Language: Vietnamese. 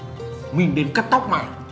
mình đến cắt tóc mà